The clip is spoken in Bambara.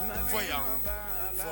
Fɔ yan